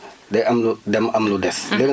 mais day am lu dem am lu de